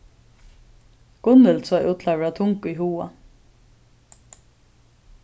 gunnhild sá út til at vera tung í huga